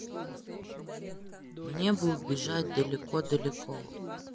мне бы убежать далеко далеко